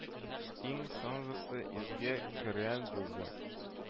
Иң соңгысы изге Коръән булды